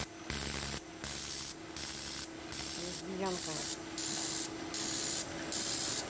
лесбиянка